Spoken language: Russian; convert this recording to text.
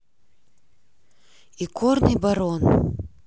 икорный барон